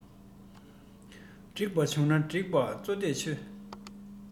འགྲིག པ བྱུང ན འགྲིགས པ གཙོ དོན ཆེ